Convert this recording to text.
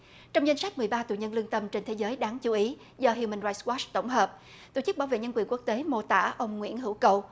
trong danh sách mười ba tù nhân lương tâm trên thế giới đáng chú ý do hiu mừn roai goát tổng hợp tổ chức bảo vệ nhân quyền quốc tế mô tả ông nguyễn hữu cầu